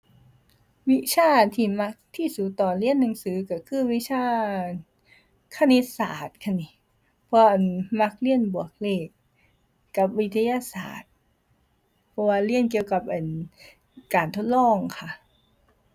วิชาที่มักที่สุดตอนเรียนหนังสือก็คือวิชาคณิตศาสตร์ค่ะนี่ เพราะว่า อั่น มักเรียนบวกเลข กับวิทยาศาสตร์ เพราะว่าเรียนเกี่ยวกับ อั่น การทดลองค่ะ